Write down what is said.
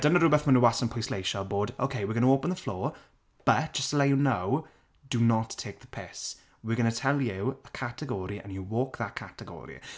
Dyna rywbeth maen nhw wastad yn pwysleisio bod okay we're going to open the floor but just let you know do not take the piss we're going to tell you a category and you walk that category.